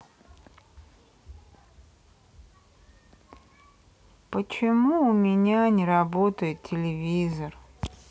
почему у меня не работает телевизор